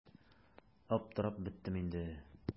Аптырап беттем инде.